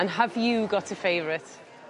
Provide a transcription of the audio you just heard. And have you got a favourite?